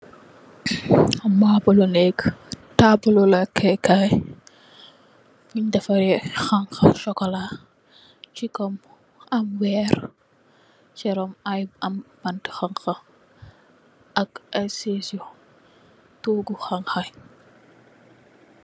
Maabulu neek taabulu lakekay bun defare hanka bu sukola che kaw am werr che ronn aye am bante hanka ak aye sesu toogu hanka.